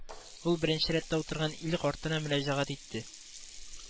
Ул беренче рәттә утырган ил картына мөрәҗәгать итте